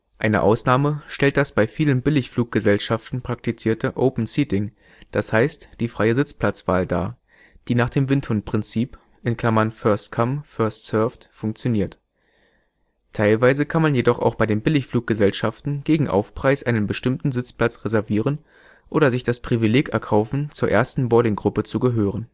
Eine Ausnahme stellt das bei vielen Billigfluggesellschaften praktizierte open seating, das heißt die freie Sitzplatzwahl dar, die nach dem Windhundprinzip (First-come, first-served) funktioniert. Teilweise kann man jedoch bei den Billigfluggesellschaften gegen Aufpreis einen bestimmten Sitzplatz reservieren oder sich das Privileg erkaufen, zur ersten Boardinggruppe zu gehören